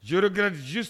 J g